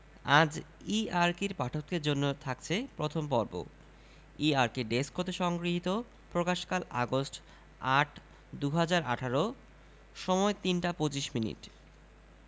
আজ ই আরকির পাঠকদের জন্যে থাকছে প্রথম পর্ব ই আরকি ডেস্ক হতে সংগৃহীত প্রকাশকালঃ আগস্ট ০৮ ২০১৮ সময়ঃ ৩টা ২৫ মিনিট